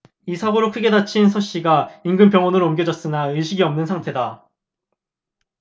이 사고로 크게 다친 서씨가 인근 병원으로 옮겨졌으나 의식이 없는 상태다